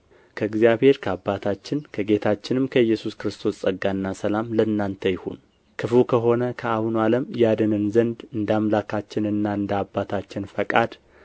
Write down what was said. ከእግዚአብሔር ከአባታችን ከጌታችንም ከኢየሱስ ክርስቶስ ጸጋና ሰላም ለእናንተ ይሁን ክፉ ከሆነ ከአሁኑ ዓለም ያድነን ዘንድ እንደ አምላካችንና እንደ አባታችን ፈቃድ